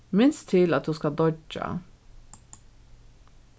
minst til at tú skalt doyggja